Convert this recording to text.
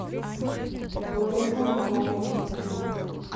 лейбл ком ютуб